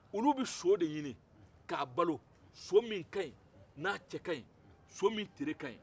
olu bɛ so de ɲini ka balo so min ka ɲi n'a cɛ ka ɲi so min tere ka ɲi